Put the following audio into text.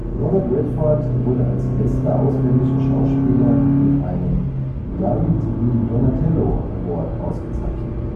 Robert Redford wurde als bester ausländischer Schauspieler mit einem David di Donatello Award ausgezeichnet